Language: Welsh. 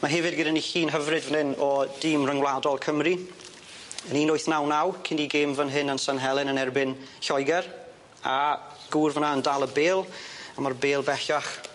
Ma' hefyd gyda ni llun hyfryd fyn 'yn o dîm ryngwladol Cymru yn un wyth naw naw cyn i gêm fyn hyn yn San Helen yn erbyn Lloeger a gŵr fyn 'na yn dal y bêl a ma'r bêl bellach